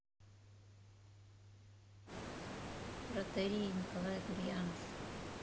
протоирей николай гурьянов